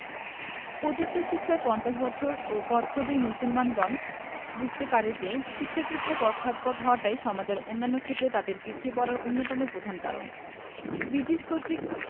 প্রতীচ্য শিক্ষায় পঞ্চাশ বছর পশ্চাদ্বর্তী মুসলমানগণ বুঝতে পারে যে শিক্ষাক্ষেত্রে পশ্চাৎপদ হওয়াটাই সমাজের অন্যান্য ক্ষেত্রে তাদের পিছিয়ে পড়ার অন্যতম প্রধান কারণ ব্রিটিশ কর্তৃক